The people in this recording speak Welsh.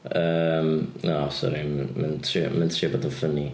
Yym na o sori, m- mae'n trio mae'n trio bod yn ffyni.